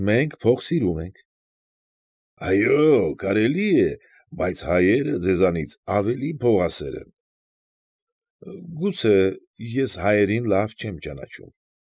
Մենք փող սիրում ենք։ ֊ Այո՛, կարելի է, բայց հայերը ձեզանից ավելի փողասեր են։ ֊ Գուցե, ես հայերին լավ չեմ ճանաչում։